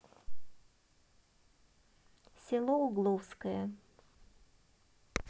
село угловское